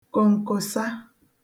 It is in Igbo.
kòǹkòsa